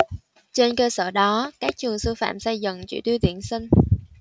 trên cơ sở đó các trường sư phạm xây dựng chỉ tiêu tuyển sinh